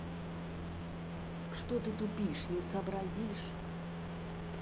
что ты тупишь не сообразишь